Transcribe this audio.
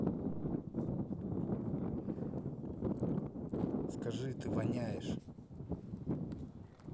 скажи ты воняешь